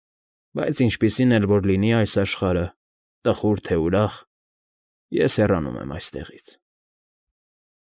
Բայց ինչպիսին էլ որ լինի այս աշխարհը, տխուր թե ուրախ, ես հեռանում եմ այստեղից։